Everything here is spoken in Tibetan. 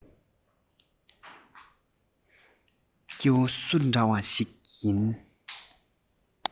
སྐྱེ བོ སུ འདྲ ཞིག ཡིན